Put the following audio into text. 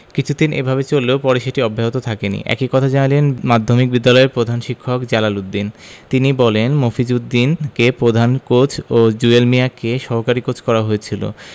কিছুদিন এভাবে চললেও পরে সেটি অব্যাহত থাকেনি একই কথা জানালেন মাধ্যমিক বিদ্যালয়ের প্রধান শিক্ষক জালাল উদ্দিন তিনি বলেন মফিজ উদ্দিনকে প্রধান কোচ ও জুয়েল মিয়াকে সহকারী কোচ করা হয়েছিল